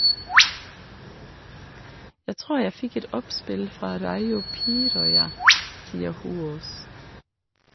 - Jeg tror jeg fikk et oppspill fra Raio Piiroja, sier Hoås.